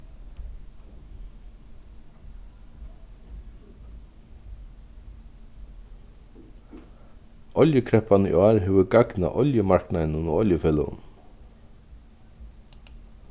oljukreppan í ár hevur gagnað oljumarknaðinum og oljufeløgunum